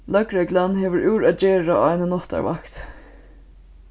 løgreglan hevur úr at gera á eini náttarvakt